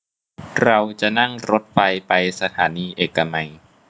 เราจะนั่งรถไฟไปสถานีเอกมัย